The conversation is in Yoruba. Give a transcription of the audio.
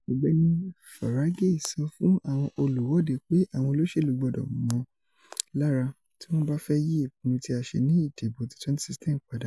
Ọ̀gbẹ́ni Farage sọ fún àwọn olùwọ́de pé àwọn olóṣèlú gbọdọ̀ ‘mọ̀ lára’ tí wọ́n bá fẹ́ yí ìpinnu tí a ṣé ní ìdibo ti 2016 padà.